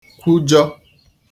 kwujọ